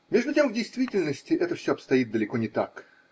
Между тем в действительности это все обстоит далеко не так.